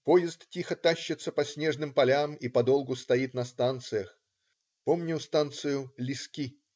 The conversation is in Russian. Поезд тихо тащится по снежным полям и подолгу стоит на станциях. Помню станцию Лиски.